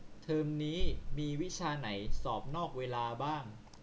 เทอมนี้มีวิชาไหนสอบนอกเวลาบ้าง